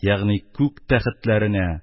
Ягъни күк тәхетләренә